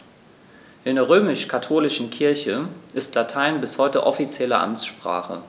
In der römisch-katholischen Kirche ist Latein bis heute offizielle Amtssprache.